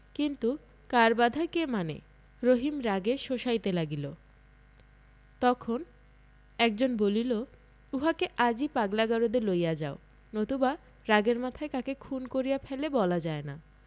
কিন্তু কার বাধা কে মানে রহিম রাগে শোষাইতে লাগিল তখন একজন বলিল উহাকে আজই পাগলা গারদে লইয়া যাও নতুবা রাগের মাথায় কাকে খুন করিয়া ফেলে বলা যায় না